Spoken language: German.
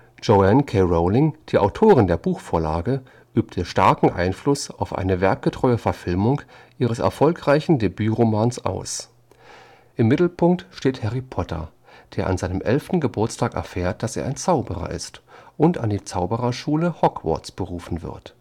Joanne K. Rowling, die Autorin der Buchvorlage, übte starken Einfluss auf eine werktreue Verfilmung ihres erfolgreichen Debütromans aus. Im Mittelpunkt steht Harry Potter, der an seinem elften Geburtstag erfährt, dass er ein Zauberer ist, und an die Zaubererschule Hogwarts berufen wird